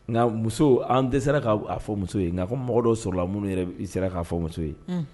Nka muso an dɛsɛ sera fɔ muso ye nka fɔ mɔgɔ dɔ sɔrɔla la minnu yɛrɛ sera k'a fɔ muso ye